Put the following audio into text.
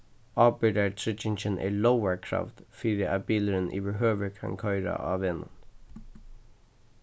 ábyrgdartryggingin er lógarkravd fyri at bilurin yvirhøvur kann koyra á vegnum